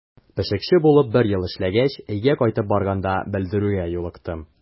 Пешекче булып бер ел эшләгәч, өйгә кайтып барганда белдерүгә юлыктым.